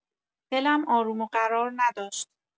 دلم آروم و قرار نداشت.